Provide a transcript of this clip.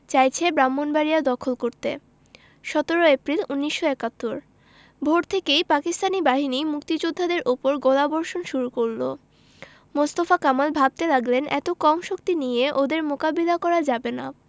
চাইছে ব্রাহ্মনবাড়িয়া দখল করতে ১৭ এপ্রিল ১৯৭১ ভোর থেকেই পাকিস্তানি বাহিনী মুক্তিযোদ্ধাদের উপর গোলাবর্ষণ শুরু করল মোস্তফা কামাল ভাবতে লাগলেন এত কম শক্তি নিয়ে ওদের মোকাবিলা করা যাবে না